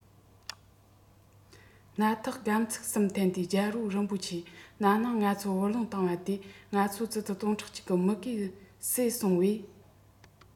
སྣ ཐག སྒམ ཚིག གསུམ འཐེན ཏེ རྒྱལ པོ རིན པོ ཆེ ན ནིང ང ཚོར བུ ལོན བཏང བ དེས ང ཚོ ཙི ཙི སྟོང ཕྲག གཅིག གི མུ གེ གསོས སོང བས